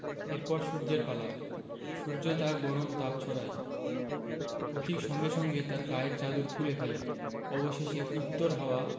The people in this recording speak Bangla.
এর পর সূর্যের পালা সূর্য তার গরম তাপ ছড়ায় পথিক সঙ্গে সঙ্গে তার গায়ের চাদর খুলে ফেলে অবশেষে উত্তর হাওয়া